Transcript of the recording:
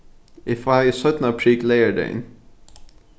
eg fái seinna prik leygardagin